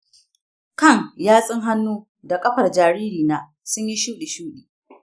kan yatsun hannu da ƙafar jaririna sun yi shuɗi-shuɗi.